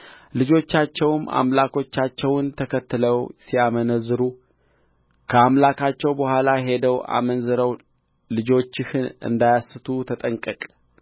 ልጆቻቸውም አምላኮቻቸውን ተከትለው ሲያመነዝሩ ከአምላኮቻቸው በኋላ ሄደው አመንዝረውም ልጆችህን እንዳያስቱ ተጠንቀቅ